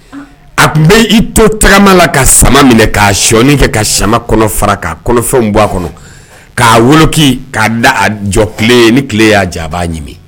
A tun bɛ i to tagama la ka sama minɛ k ka shɔni fɛ ka sima kɔnɔ fara k ka kɔnɔfɛnw bɔ a kɔnɔ k'a woloki ka jɔ ye ni tile y'a jaabi ɲimi